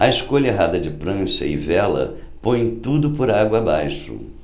a escolha errada de prancha e vela põe tudo por água abaixo